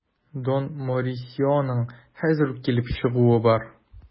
Дон Морисионың хәзер үк килеп чыгуы бар.